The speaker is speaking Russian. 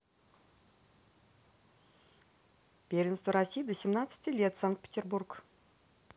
первенство россии до семнадцати лет санкт петербург